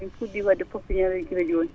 min pudɗi wadde popiŋeruji guila jooni